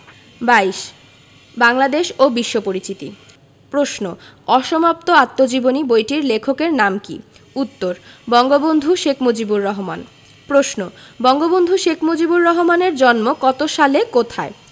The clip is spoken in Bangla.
২২ বাংলাদেশ ও বিশ্ব পরিচিতি প্রশ্ন অসমাপ্ত আত্মজীবনী বইটির লেখকের নাম কী উত্তর বঙ্গবন্ধু শেখ মুজিবুর রহমান প্রশ্ন বঙ্গবন্ধু শেখ মুজিবুর রহমানের জন্ম কত সালে কোথায়